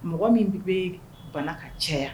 Mɔgɔ min de bɛ bana ka caya